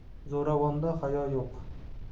zo'ravonda hayo yo'q